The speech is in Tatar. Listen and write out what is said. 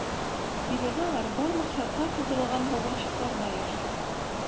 Биредә алар барлык шартлар тудырылган вагончыкларда яши.